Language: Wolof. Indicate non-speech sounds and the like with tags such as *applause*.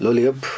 *hesitation* *hesitation*